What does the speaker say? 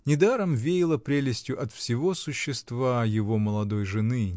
Недаром веяло прелестью от всего существа его молодой жены